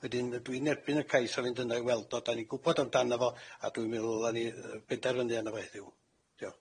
wedyn yy dwi'n erbyn y cais a mynd yna i weld o. Dan ni'n gwbod amdano fo, a dwi'n meddwl ddyla ni yy benderfynu arno fo heddiw. Diolch.